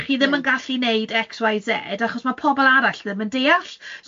Chi ddim yn gallu wneud X, Y, Z, achos mae pobl arall ddim yn deall.